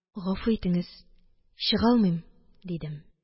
Гафу итеңез, чыга алмыйм, – дидем.